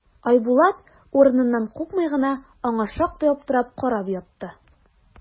Айбулат, урыныннан купмый гына, аңа шактый аптырап карап ятты.